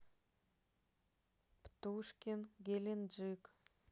птушкин геленджик